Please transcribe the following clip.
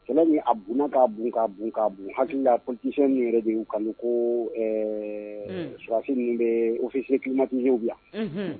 Kɛmɛ min a b k'a'a k'a bon ha ptisɛ yɛrɛ de y'u kan ko suursi bɛ ofisi se kimatiw bila